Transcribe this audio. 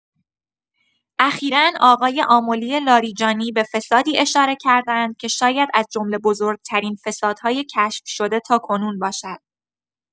اخیرا آقای آملی لاریجانی به فسادی اشاره کردند که شاید از جمله بزرگ‌ترین فسادهای کشف‌شده تاکنون باشد.